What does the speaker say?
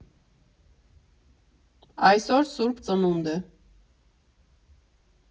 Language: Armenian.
Այսօր Սուրբ Ծնունդ է։